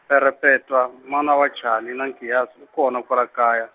Perepetwa mana wa Chali na Nkiyasi, u kona kwala kaya.